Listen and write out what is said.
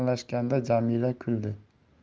yaqinlashganda jamila kuldi